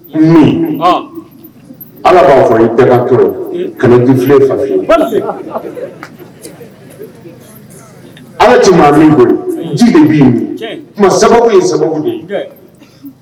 Min ala b'a fɔ i bɛɛ kafi fa ala tun maa min bolo sababu ye sababu ye